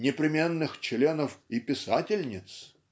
непременных членов и писательниц"